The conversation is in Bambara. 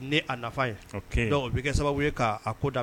Nafa o bɛ kɛ sababu ko